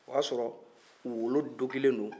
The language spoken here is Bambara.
o y'a sɔrɔ wolo dogilen don